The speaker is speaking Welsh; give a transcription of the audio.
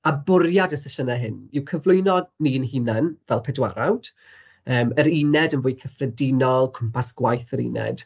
A bwriad y sesiynau hyn yw cyflwyno ni'n hunain fel pedwarawd, yym yr uned yn fwy cyffredinol, cwmpas gwaith yr uned.